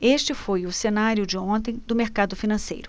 este foi o cenário de ontem do mercado financeiro